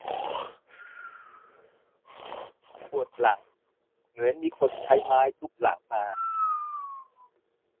ปวดหลังเหมือนมีคนใช้ไม้ทุบหลังมา